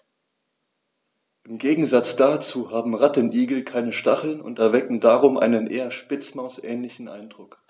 Im Gegensatz dazu haben Rattenigel keine Stacheln und erwecken darum einen eher Spitzmaus-ähnlichen Eindruck.